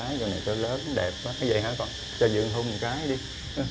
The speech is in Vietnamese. sao lớn đẹp vậy hả con cho dượng hôn một cái đi